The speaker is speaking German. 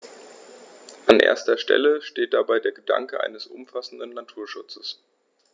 An erster Stelle steht dabei der Gedanke eines umfassenden Naturschutzes.